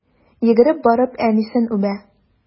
Йөгереп барып әнисен үбә.